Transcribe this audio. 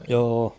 joo